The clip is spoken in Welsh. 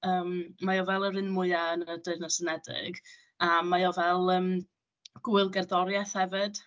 Yym, mae o fel yr un mwya yn y Deyrnas Unedig , a mae o fel, yym ,gwyl gerddoriaeth hefyd.